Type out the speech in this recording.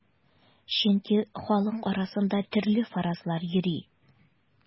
Чөнки халык арасында төрле фаразлар йөри.